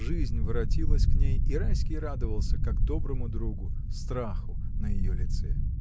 Жизнь воротилась к ней, и Райский радовался, как доброму другу, страху на ее лице.